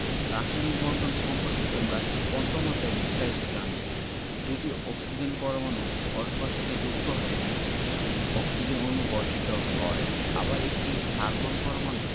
রাসায়নিক বন্ধন সম্পর্কে তোমরা পঞ্চম অধ্যায়ে বিস্তারিত জানবে দুটি অক্সিজেন পরমাণু পরস্পরের সাথে যুক্ত হয়ে অক্সিজেন অণু গঠিত হয় আবার একটি কার্বন পরমাণু